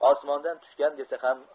osmondan tushgan desa ham